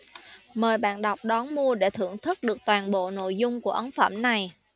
mời bạn đọc đón mua để thưởng thức được toàn bộ nội dung của ấn phẩm này